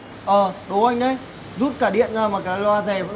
ờ đố anh đấy rút cả điện ra mà cái loa rè